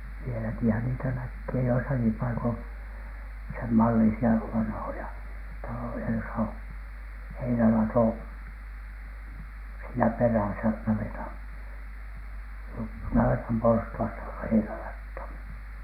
vieläkinhän niitä näkee joissakin paikoin senmallisia vanhoja taloja jossa - heinälato siinä perässä navetan navetan porstuasta tulee heinälatoon